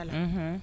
Unhun